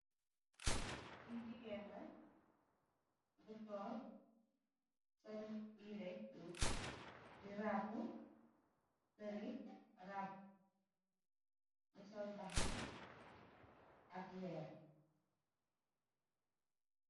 Ki jigeen la bu tok sul yereh yu rabuh sul mbakhana ak were